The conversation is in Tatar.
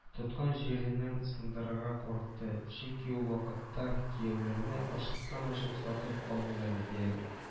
Тоткан җиреннән сындырырга курыкты, чөнки ул вакытта кияүләрне ачыктан-ачык сатып алмыйлар иде әле